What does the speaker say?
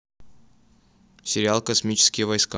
сериал космические войска